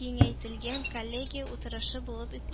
киңәйтелгән коллегия утырышы булып үтте